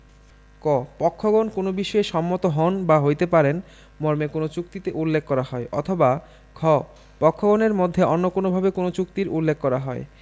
ক পক্ষগণ কোন বিষয়ে সম্মত হন বা হইতে পারেন মর্মে কোন চুক্তিতে উল্লেখ করা হয় অথবা খ পক্ষগণের মধ্যে অন্য কোনভাবে কোন চুক্তির উল্লেখ করা হয়